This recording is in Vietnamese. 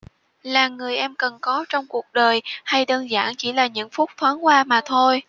là người em cần có trong cuộc đời hay đơn giản chỉ là những phút thoáng qua mà thôi